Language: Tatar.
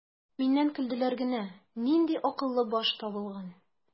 Миннән көлделәр генә: "Нинди акыллы баш табылган!"